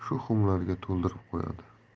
shu xumlarga to'ldirib qo'yadi